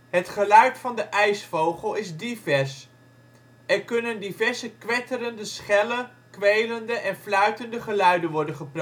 Het geluid van de ijsvogel is divers; er kunnen diverse kwetterende schelle, kwelende en fluitende geluiden worden